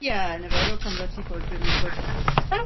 Ie 'na fe ro camra ti ffwrdd bydd wnna;n good ie.